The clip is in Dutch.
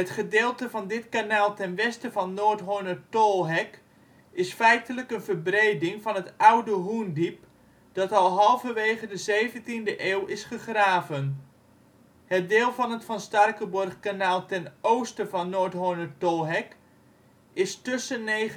gedeelte van dit kanaal ten westen van Noordhornertolhek is feitelijk een verbreding van het oude Hoendiep dat al halverwege de zeventiende eeuw is gegraven. Het deel van het Van Starkenborghkanaal ten oosten van Noordhornertolhek is tussen 1931